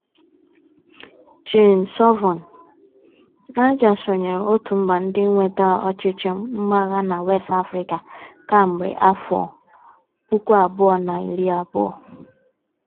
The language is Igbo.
Jean Sovon (JS): Niger sonyeere otu mba ndị nwetere ọchịchị mgbagha na West Africa kemgbe 2020.